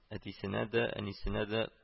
Әтисенәдә, әнисенәдә